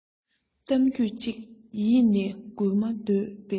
གཏམ རྒྱུད ཅིག ཡིད ནས སྒུལ མ འདོད པས